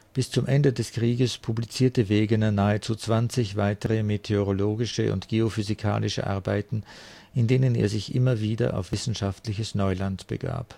Bis zum Ende des Krieges publizierte Wegener nahezu 20 weitere meteorologische und geophysikalische Arbeiten, in denen er sich immer wieder auf wissenschaftliches Neuland begab